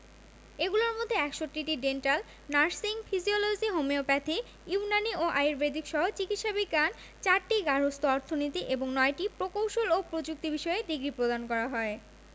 এগুলোর মধ্যে ৬১টিতে dental nursing physiology homeopathy Unani ও আর্য়ুবেদিকসহ চিকিৎসা বিজ্ঞান ৪টি গার্হস্থ্য অর্থনীতি এবং ৯টি প্রকৌশল ও প্রযুক্তি বিষয়ে ডিগ্রি প্রদান করা হয়